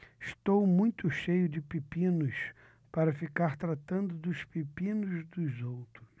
estou muito cheio de pepinos para ficar tratando dos pepinos dos outros